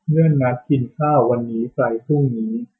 เลื่อนนัดกินข้าววันนี้ไปพรุ่งนี้